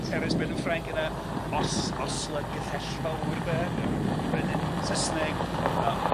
...so Peres Brenin Ffrainc yna Os-Osla Gyllell Fawr de. Ia. Ryw brenin Sysneg . Ia. Yym